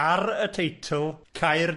Ar y teitl, Caerdydd.